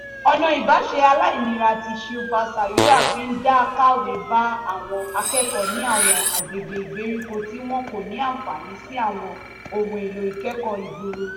Ọ̀nà ìbáṣe aláìnira tí Shilpa Sayura fi ń dá kàwé bá àwọn akẹ́kọ̀ọ́ ní àwọn agbègbè ìgbèríko tí wọ́n kò ní àǹfààní sí àwọn ohun èlò ìkẹ́kọ̀ọ́ ìgboro.